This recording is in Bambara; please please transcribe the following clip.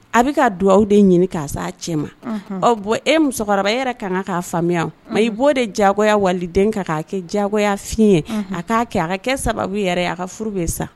A bɛ ka duwa de ɲini k'a' cɛ ma ɔ bɔn e musokɔrɔba e yɛrɛ ka kan ka k'a faamuya ma i b'o de jagoya wali den ka'a kɛ jagoya f ye a'a kɛ hakɛ ka kɛ sababu yɛrɛ a ka furu bɛ sa